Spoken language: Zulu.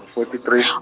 fourty three.